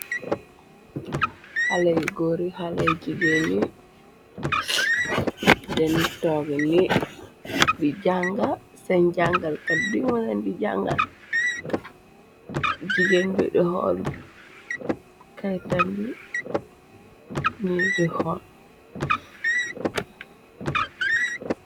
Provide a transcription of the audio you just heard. Xaley goori xale jigain ye deng tog ni di jànga san jangalkate bi mulene jagal jegain bi di xool kaytambi ni du xool.